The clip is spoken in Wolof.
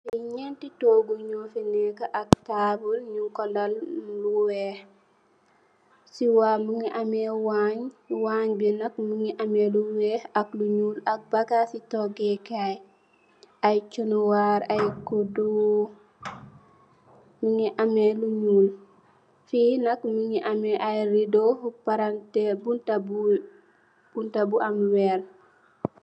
Nyenti togu nyufi neka ak tabul nyung ku lal lu wekh munge ame wange ak bagasi togeh kai aye chun warr gudou